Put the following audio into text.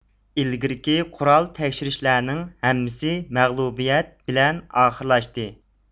ئىلگىرىكى قورال تەكشۈرۈشلەرنىڭ ھەممىسى مەغلۇبىيەت بىلەن ئاخىرلاشتى